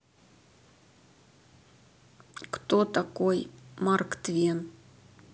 кто такой марк твен